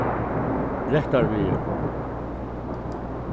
rættarvegur